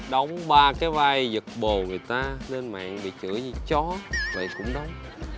đóng ba cái vai giật bồ người ta lên mạng bị chửi như chó vậy cũng đóng